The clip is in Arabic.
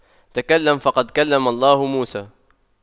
تكلم فقد كلم الله موسى